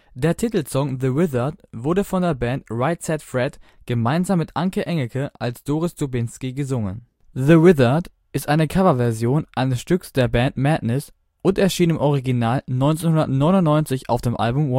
Der Titelsong The Wizard wurde von der Band Right Said Fred gemeinsam mit Anke Engelke (als Doris Dubinsky) gesungen. The Wizard ist eine Coverversion eines Stücks der Band Madness und erschien im Original 1999 auf dem Album